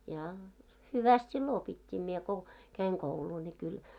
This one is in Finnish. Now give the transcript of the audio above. ja hyvästi silloin opittiin minä kun kävin koulua niin kyllä